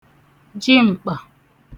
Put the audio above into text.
jim̀kpà